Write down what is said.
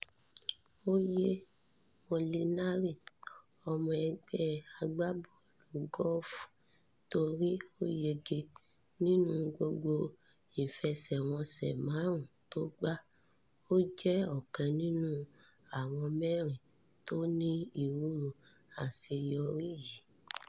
Ó yẹ Molinari, ọmọ ẹgbẹ́ agbábọ̀ọ̀lù gọ́ọ̀fù torí ó yege nínú gbogbo ìfẹsèwọnsẹ̀ márùn-ún tó gbá. Ó jẹ́ ọ̀kan nínú àwọn mẹ́rin tó ní irú àṣeyorí yìí.